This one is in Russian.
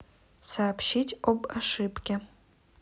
сообщить об ошибке